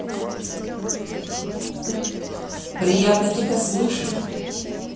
приятно тебя слышать